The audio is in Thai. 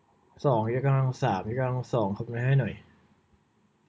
สองยกกำลังสามยกกำลังสองคำนวณให้หน่อย